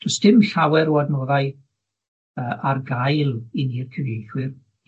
do's dim llawer o adnoddau yy ar gael i ni'r cyfieithwyr